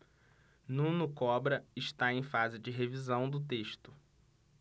nuno cobra está em fase de revisão do texto